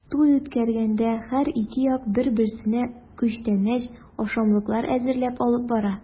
Туй үткәргәндә һәр ике як бер-берсенә күчтәнәч-ашамлыклар әзерләп алып бара.